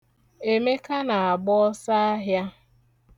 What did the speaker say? Emeka na-agba ọsọahịa.